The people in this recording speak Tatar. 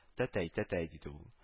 — тәтәй! тәтәй! — диде ул